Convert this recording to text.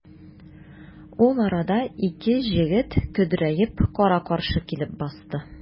Ул арада ике җегет көдрәеп кара-каршы килеп басты.